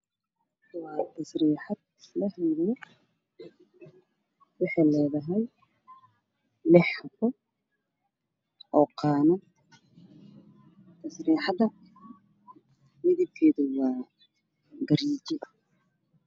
Waa armaajo waxa ay ledahay lix qaanad oo Isla eg